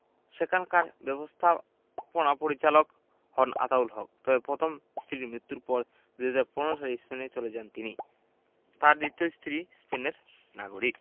সেখানকার ব্যবস্থাপনা পরিচালক হন আতাউল হক তবে প্রথম স্ত্রীর মৃত্যুর পর ২০১৫ সালে স্পেনে চলে যান তিনি তাঁর দ্বিতীয় স্ত্রী স্পেনের নাগরিক